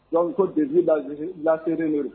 Filamuso defi lancé len de don!